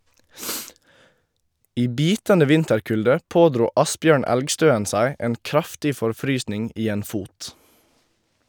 I bitende vinterkulde pådro Asbjørn Elgstøen seg en kraftig forfrysning i en fot.